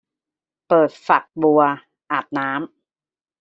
เปิดฝักบัวอาบน้ำ